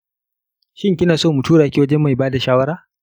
shin kinaso mu turaki wajen mai bada shawara?